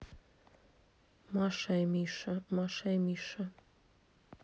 маша и миша маша и миша